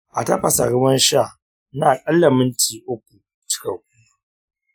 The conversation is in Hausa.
a tafasa ruwan sha na akalla minti uku cikakku.